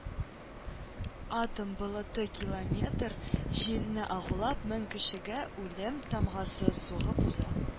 Атом болыты километр җирне агулап мең кешегә үлем тамгасы сугып уза.